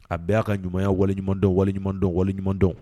A bɛɛ y'a ka ɲuman waleɲuman dɔn waleɲuman dɔn waleɲuman dɔn